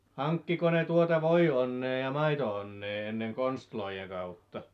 hankkiko ne tuota voionnea ja maito-onnea ennen konstien kautta